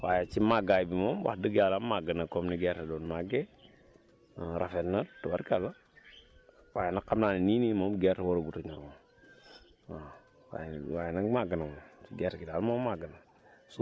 waaye ci màggaay bi moom wax dëgg yàlla màgg na comme ni gerte doon màggee rafet na tubarkàlla waaye nag xam naa ne nii nii moom gerte war a gut a ñor moom waaw waaye waaye nag màgg na moom gerte gi daal moom màgg na